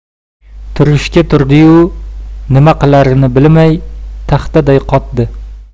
turishga turdi yu nima qilarini bilmay taxtaday kotdi